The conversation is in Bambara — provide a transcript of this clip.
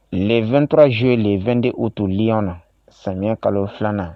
Len2tjo le2de u to li na samiyɛ kalo filanan